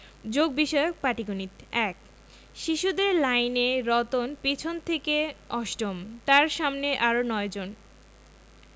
যোগ বিষয়ক পাটিগনিতঃ ১ শিশুদের লাইনে রতন পিছন থেকে অষ্টম তার সামনে আরও ৯ জন